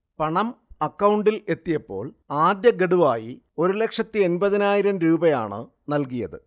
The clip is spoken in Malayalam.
പണം അക്കൗണ്ടിൽ എത്തിയപ്പോൾ ആദ്യഗഡുവായി ഒരു ലക്ഷത്തി എണ്പതിനായിരം രൂപയാണ് നൽകിയത്